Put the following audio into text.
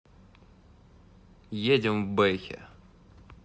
едем в бэхе